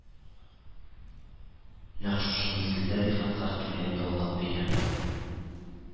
Нәкъ шушы мизгелдә Рифатка килгән ялган бәйрәм